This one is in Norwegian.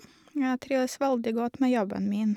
Jeg trives veldig godt med jobben min.